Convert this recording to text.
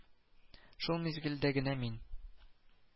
Шул мизгелдә генә мин